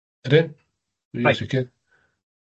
Ydyn, rili sicir.